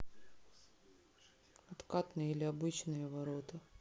откатные или обычные ворота